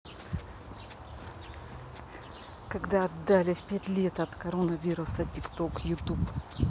когда отдали в пять лет от коронавируса тикток youtube